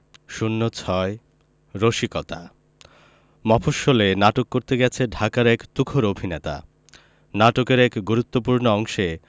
০৬ রসিকতা মফশ্বলে নাটক করতে গেছে ঢাকার এক তুখোর অভিনেতা নাটকের এক গুরুত্তপূ্র্ণ অংশে